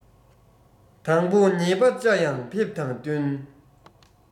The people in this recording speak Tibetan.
དང པོ ཉེས པ བཅའ ཡང ཕེབས དང བསྟུན